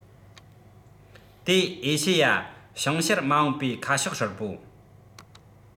དེ ཨེ ཤེ ཡ བྱང ཤར མ འོངས པའི ཁ ཕྱོགས ཧྲིལ པོ